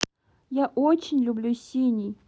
я очень люблю синий